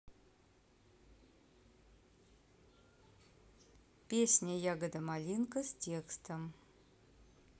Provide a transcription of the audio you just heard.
песня ягода малинка с текстом